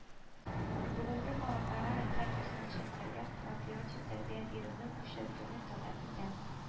Бүгенге халыкара хәл хезмәтчәннәргә патриотик тәрбия бирүне көчәйтүне таләп итә